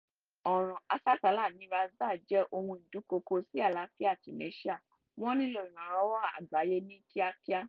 ọ̀ràn asásàálà ní ras jdir jẹ́ ohun ìdúnkokò sí àlàáfíà tunisia – wọ́n nílò ìrànlọ́wọ́ àgbáyé ní kíákíá.